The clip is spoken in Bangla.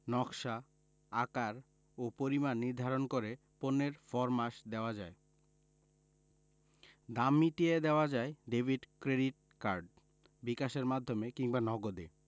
নকশা আকার ও পরিমাণ নির্ধারণ করে পণ্যের ফরমাশ দেওয়া যায় দাম মিটিয়ে দেওয়া যায় ডেভিড ক্রেডিট কার্ড বিকাশের মাধ্যমে কিংবা নগদে